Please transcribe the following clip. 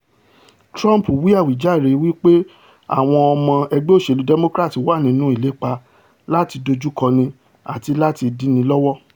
Trump wí àwíjàre wí pé àwọn ọmọ ẹgbẹ́ òṣèlú Democrat wà nínú ìlépa láti ''dojúkọ̀ni àti láti dínilọ́wọ̀.''